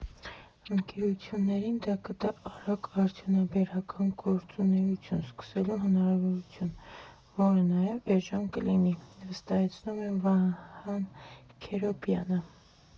Ընկերություններին դա կտա արագ արդյունաբերական գործունեություն սկսելու հնարավորություն, որը նաև էժան կլինի, ֊ վստահեցնում է Վահան Քերոբյանը։